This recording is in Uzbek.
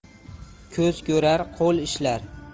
ko'z ko'rar qo'l ishlar